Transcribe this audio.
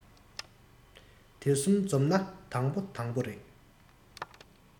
དེ གསུམ འཛོམས ན དང པོའི དང པོ རེད